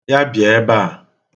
Ya bịa ebe a.